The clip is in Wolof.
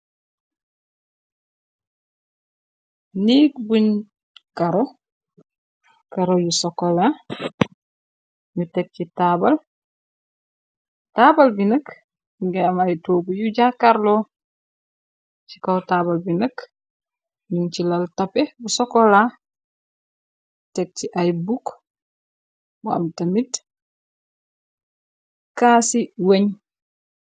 Nii buñ karo karo yu sokola ñu teg ci taabal taabal bi nakk ngir am ay toobu yu jaakarlo ci kaw taabal bi nakk ñuñ ci lal tape bu sokola tek ci ay bukk mu am tamit kaasi weñ.